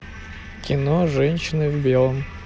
кино женщина в белом